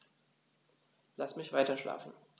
Lass mich weiterschlafen.